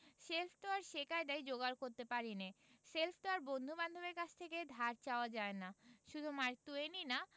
shelf তো আর সে কায়দায় যোগাড় করতে পারি নে শেলফ তো আর বন্ধুবান্ধবের কাছ থেকে ধার চাওয়া যায় না শুধু মার্ক টুয়েনই না